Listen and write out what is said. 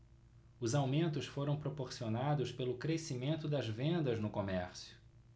os aumentos foram proporcionados pelo crescimento das vendas no comércio